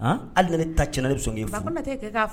Han hali ni ne a tiɲɛna ne bɛ sɔn